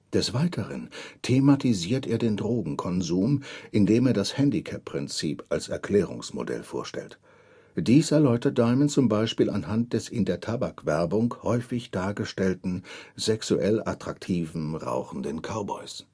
Des Weiteren thematisiert er den Drogenkonsum, indem er das Handicap-Prinzip als Erklärungsmodell vorstellt. Dies erläutert Diamond zum Beispiel anhand des in der Tabakwerbung häufig dargestellten sexuell attraktiven, rauchenden Cowboys